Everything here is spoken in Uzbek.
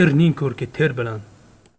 erning ko'rki ter bilan